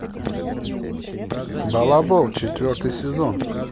балабол четвертый сезон